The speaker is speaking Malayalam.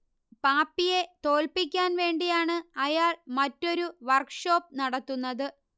പാപ്പിയെ തോൽപ്പിക്കാൻ വേണ്ടിയാണ് അയാൾ മറ്റൊരു വർക്ക്ഷോപ്പ് നടത്തുന്നത്